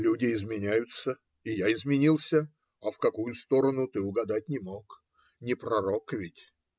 люди изменяются, и я изменился, а в какую сторону - ты угадать не мог не пророк ведь.